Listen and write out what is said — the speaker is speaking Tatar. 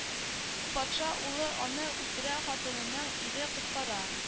Патша улы аны үтерә хатынының ирен коткара